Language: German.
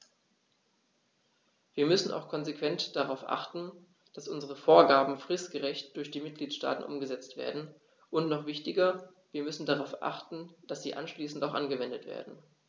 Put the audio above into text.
Wir müssen auch konsequent darauf achten, dass unsere Vorgaben fristgerecht durch die Mitgliedstaaten umgesetzt werden, und noch wichtiger, wir müssen darauf achten, dass sie anschließend auch angewendet werden.